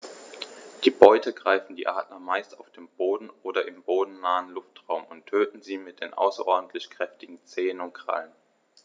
Die Beute greifen die Adler meist auf dem Boden oder im bodennahen Luftraum und töten sie mit den außerordentlich kräftigen Zehen und Krallen.